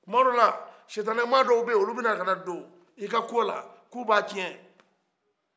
kuma dɔw la sitana maa dɔw bɛ ye olu bɛna dɔ i ka ko la k'u b'a tiɲɛ